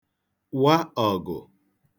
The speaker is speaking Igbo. wa ọ̀gụ̀